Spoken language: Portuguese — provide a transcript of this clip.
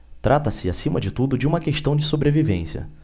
trata-se acima de tudo de uma questão de sobrevivência